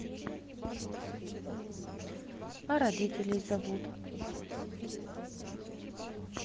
а родителей зовут